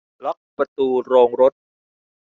ล็อคประตูโรงรถ